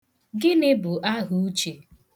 Gịnị bụ ahauche?